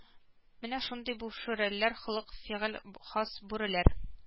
Менә шундый бу шүреләр холык-фигыль хас бүреләр